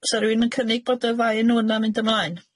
'Sa rywun yn cynnig bod y ddau enw yna'n mynd ymlaen?